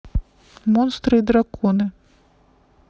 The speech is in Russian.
монстры и драконы